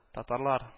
Татарлар